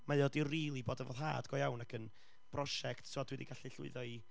mae o 'di rili bod yn foddhad go iawn ac yn brosiect, ti'n gwybod, dwi 'di gallu llwyddo i,